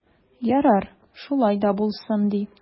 Ярар, шулай да булсын ди.